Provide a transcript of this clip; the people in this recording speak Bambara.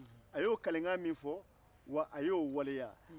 a y'o kalekan min fɔ a y'o waleya